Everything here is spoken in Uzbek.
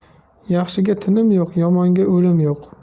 yaxshiga tinim yo'q yomonga o'lim yo'q